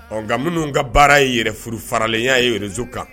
Ɔ nka minnu ka baara ye yɛrɛfurufaralen y'a ye reseau kan